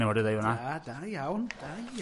Da, da iawn, da iawn.